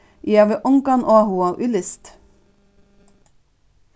eg havi ongan áhuga í list